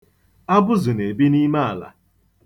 Abụzụ na-ebi n'ime ala.